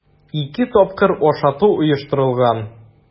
Ике тапкыр ашату оештырылган.